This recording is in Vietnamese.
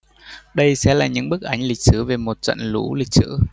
đây sẽ là những bức ảnh lịch sử về một trận lũ lịch sử